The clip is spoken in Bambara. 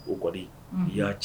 O kɔdi i y'a ci